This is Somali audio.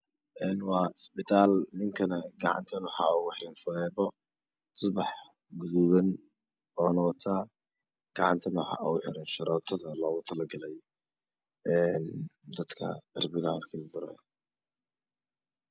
Een waa isbitaal ninkana gacantana waxaa ugu xiran faleembo tusbax guduudan uuna wataa gacantana waxaa ugu xiran sharootada loogu tala galay een dadka cirbadaha marki lagu duraayo